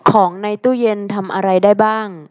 ของในตู้เย็นทำอะไรได้บ้าง